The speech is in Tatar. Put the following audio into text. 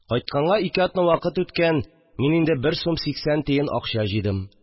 Кайтканга ике атна вакыт үткән, мин инде бер сум сиксән тиен акча җыйдым